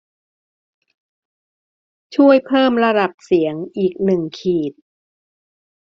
ช่วยเพิ่มระดับเสียงอีกหนึ่งขีด